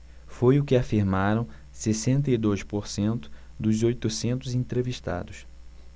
foi o que afirmaram sessenta e dois por cento dos oitocentos entrevistados